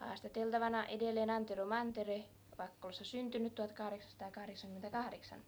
haastateltavana edelleen Antero Mantere Vakkolassa syntynyt tuhatkahdeksansataa kahdeksankymmentäkahdeksan